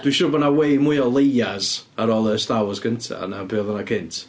Dwi'n siŵr bod 'na way mwy o Leias ar ôl y Star Wars gynta, 'na be oedd yna cynt.